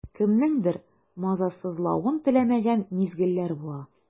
Кемнеңдер мазасызлавын теләмәгән мизгелләр була.